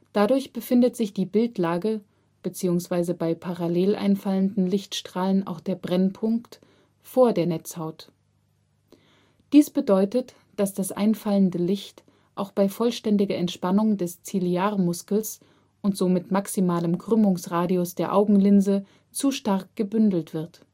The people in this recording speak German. Dadurch befindet sich die Bildlage (bzw. bei parallel einfallenden Lichtstrahlen auch der Brennpunkt) vor der Netzhaut. Dies bedeutet, dass das einfallende Licht auch bei vollständiger Entspannung des Ziliarmuskels und somit maximalem Krümmungsradius der Augenlinse zu stark gebündelt wird